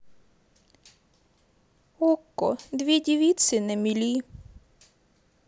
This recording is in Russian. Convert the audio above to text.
окко две девицы на мели